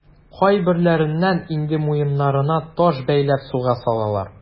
Кайберләренең инде муеннарына таш бәйләп суга салалар.